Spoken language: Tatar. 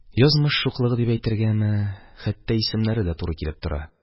Язмыш шуклыгы дип әйтергәме, хәтта исемнәре дә туры килеп тора